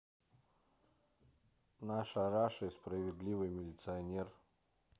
наша раша и справедливый милиционер